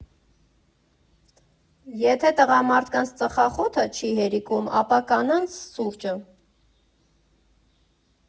Եթե տղամարդկանց ծխախոտը չի հերիքում, ապա կանանց՝ սուրճը։